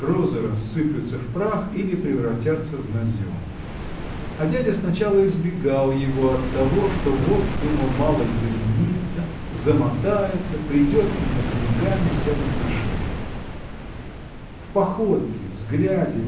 розы рассыплются в прах или превратятся в назем. А дядя сначала избегал его оттого что вот думал малый заленится замотается придет к нему за деньгами сядет на шею. В походке взгляде